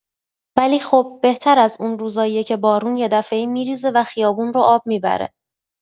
ولی خب بهتر از اون روزاییه که بارون یه‌دفعه‌ای می‌ریزه و خیابون رو آب می‌بره.